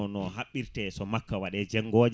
no habɓirte so makka waɗe jeggoje